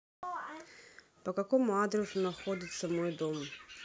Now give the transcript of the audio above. по какому адресу находится мой дом